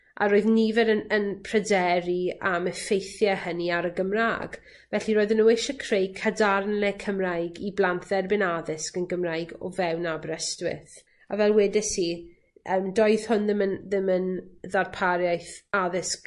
a roedd nifer yn yn pryderu am effeithie hynny ar y Gymra'g felly roedden nw eisiau creu cadarnle Cymraeg i blant dderbyn addysg yn Gymraeg o fewn Aberystwyth a fel wedes i yym doedd hwn ddim yn ddim yn ddarpariaeth addysg